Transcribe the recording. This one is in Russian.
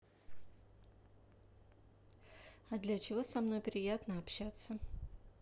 а для чего со мной приятно общаться